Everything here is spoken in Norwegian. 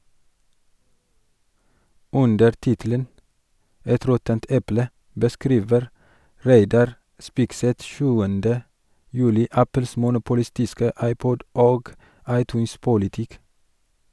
Under tittelen «Et råttent eple» beskriver Reidar Spigseth 7. juli Apples monopolistiske iPod- og iTunes-politikk.